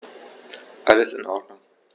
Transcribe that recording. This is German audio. Alles in Ordnung.